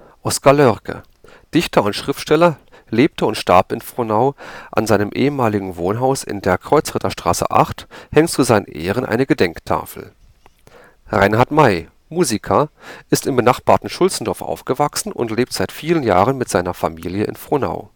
Oskar Loerke, Dichter und Schriftsteller, lebte und starb in Frohnau; an seinem ehemaligen Wohnhaus in der Kreuzritterstraße 8 hängt zu seinen Ehren eine Gedenktafel Reinhard Mey, Musiker, ist im benachbarten Schulzendorf aufgewachsen und lebt seit vielen Jahren mit seiner Familie in Frohnau